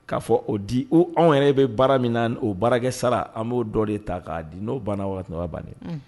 K kaa fɔ o di anw yɛrɛ bɛ baara min na o baarakɛ sara an b'o dɔ de ta k'a di n'o banna wa'o ban de